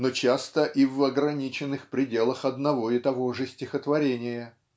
но часто и в ограниченных пределах одного и того же стихотворения.